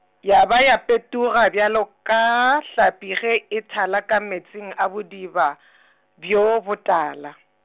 ya ba ya phetoga bjalo ka, hlapi ge e thala ka meetseng a bodiba , bjo botala.